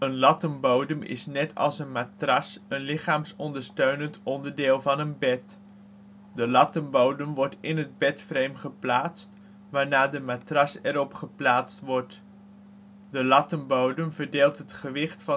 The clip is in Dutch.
lattenbodem is net als een matras een lichaamsondersteunend onderdeel van een bed. De lattenbodem wordt in het bedframe geplaatst, waarna de matras erop geplaatst wordt. De lattenbodem verdeelt het gewicht van de persoon gelijkmatig